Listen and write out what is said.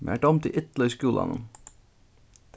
mær dámdi illa í skúlanum